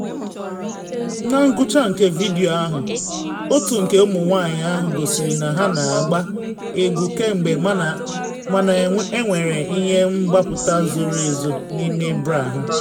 Na ngwụcha nke vidio ahụ otu nke ụmụ nwanyị ahụ gosiri na ha na agba egwu kemgbe mana enwere ihe mgbapụta zoro ezo n’ime bra ha.